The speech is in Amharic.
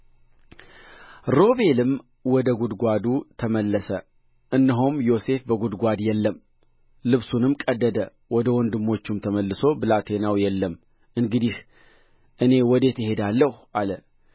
ሮቤልም ወደ ጕድጓዱ ተመለሰ እነሆም ዮሴፍ በጕድጓድ የለም ልብሱንም ቀደደ ወደ ወንድሞቹም ተመልሶ ብላቴናው የለም እንግዲህ እኔ ወዴት እሄዳለሁ አለ